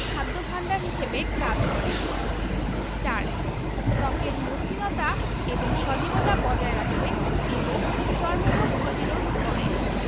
খাদ্য ভাণ্ডার হিসেবে কাজ করে ৪. ত্বকের মসৃণতা এবং সজীবতা বজায় রাখে এবং চর্মরোগ প্রতিরোধ করে